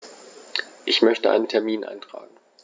Ich möchte einen Termin eintragen.